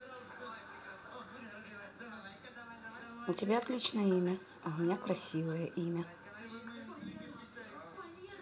у тебя отличное имя а у меня красивое имя